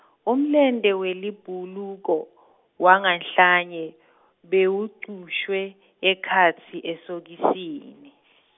Umlente welibhuluko, wanganhlanye, bewugcushwe, ekhatsi esokisini.